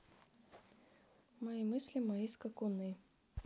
мои мысли мои скакуны